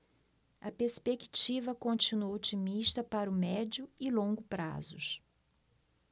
a perspectiva continua otimista para o médio e longo prazos